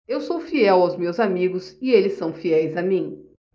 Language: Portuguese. eu sou fiel aos meus amigos e eles são fiéis a mim